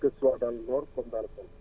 que ça soit dans le nord comme dans le centre